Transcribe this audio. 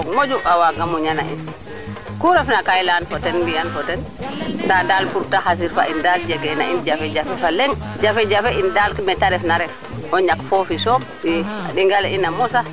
Ndioko yong o fogole maxey simna nuun na kon nuun fo simangol nuun waas nuwa nuun to wasa na nuun yasam o yaalo xe fi jam o wod fo ɓaal yasam nu tuɗa nen a tan fojem yasam o rajo le moof ba refo télé